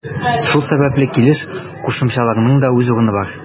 Шул сәбәпле килеш кушымчаларының да үз урыны бар.